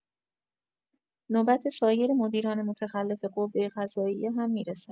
نوبت سایر مدیران متخلف قوه‌قضاییه هم می‌رسد.